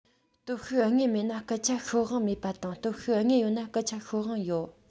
སྟོབས ཤུགས དངོས མེད ན སྐད ཆ ཤོད དབང མེད པ དང སྟོབས ཤུགས དངོས ཡོད ན སྐད ཆ ཤོད དབང ཡོད